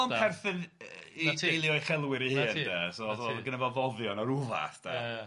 Oedd o'n perthyn i i deulu o uchelwyr ei hun de so oedd oedd gynno fo foddion o ryw fath de... Ia ia